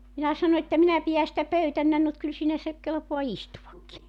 minä sanoin että minä pidän sitä pöytänäni mutta kyllä siinä se kelpaa istuakin